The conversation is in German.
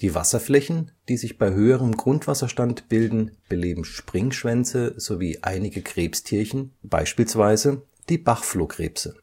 Wasserflächen, die sich bei höherem Grundwasserstand bilden, beleben Springschwänze sowie einige Krebstierchen, beispielsweise die Bachflohkrebse